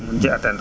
mën ci atteindre